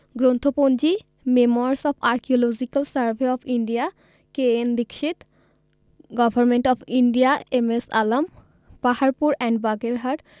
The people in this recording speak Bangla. গ্রন্থপঞ্জি memoirs of archaeological survey of India K N Dikshit government of India M S Alam Paharpur and Bagerhat